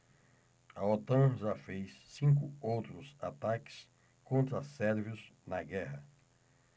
a otan já fez cinco outros ataques contra sérvios na guerra